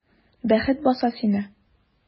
Бәхет баса сине!